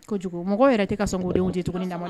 Kojugu mɔgɔ yɛrɛ tɛ ka sɔn k'u denw di tuguni lamɔ na